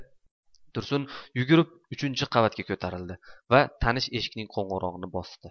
tursun yugurib uchinchi qavatga ko'tarildi va tanish eshikning qo'ng'irog'ini bosdi